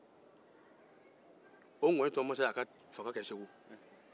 ŋuwɛntɔn masa y'a ka fanga kɛ segu